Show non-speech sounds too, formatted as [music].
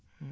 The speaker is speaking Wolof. [hesitation]